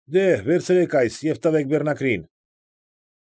Դե՛հ, վերցրեք այս և տվեք բեռնակրին։